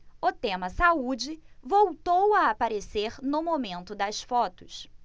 o tema saúde voltou a aparecer no momento das fotos